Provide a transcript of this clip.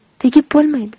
tegib bo'lmaydi